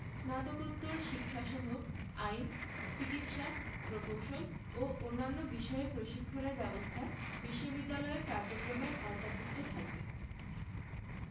স্নাতকোত্তর শিক্ষাসহ আইন চিকিৎসা প্রকৌশল ও অন্যান্য বিষয়ে প্রশিক্ষণের ব্যবস্থা বিশ্ববিদ্যালয়ের কার্যক্রমের আওতাভুক্ত থাকবে